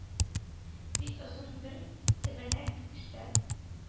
Бик озын бер тәбәнәк өстәл.